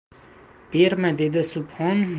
berma dedi subhon